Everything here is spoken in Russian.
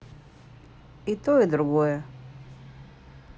то и другое